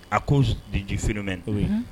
A ko di jifi mɛno ye